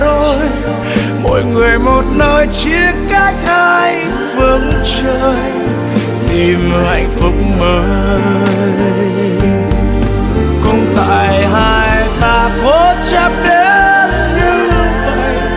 mỗi người một nơi chia cách hai phương trời tìm hạnh phúc mới cũng tại hai ta cố chấp đến như vậy